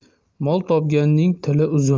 mol topganning tili uzun